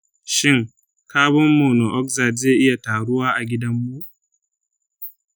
shin carbon monoxide zai iya taruwa a gidanmu?